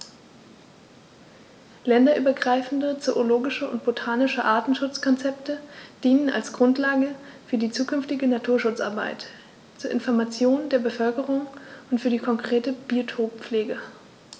Länderübergreifende zoologische und botanische Artenschutzkonzepte dienen als Grundlage für die zukünftige Naturschutzarbeit, zur Information der Bevölkerung und für die konkrete Biotoppflege.